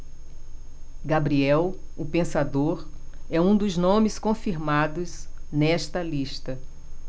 gabriel o pensador é um dos nomes confirmados nesta lista